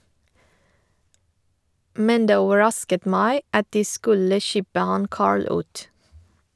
- Men det overrasket meg at de skulle kibbe han Carl ut.